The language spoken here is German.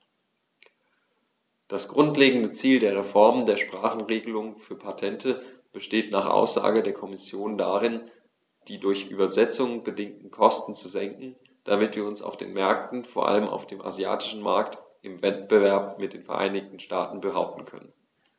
Das grundlegende Ziel der Reform der Sprachenregelung für Patente besteht nach Aussage der Kommission darin, die durch Übersetzungen bedingten Kosten zu senken, damit wir uns auf den Märkten, vor allem auf dem asiatischen Markt, im Wettbewerb mit den Vereinigten Staaten behaupten können.